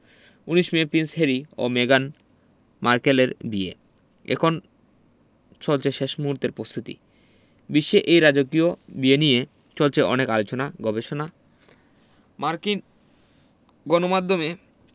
১৯ May Prince Harry ও মেগান মার্কেলের বিয়ে এখন চলছে শেষ মুহূর্তের প্রস্তুতি বিশ্বে এই রাজকীয় বিয়ে নিয়ে চলছে অনেক আলোচনা গবেষণা মার্কিন গণমাধ্যমে